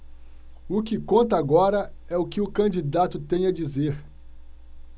o que conta agora é o que o candidato tem a dizer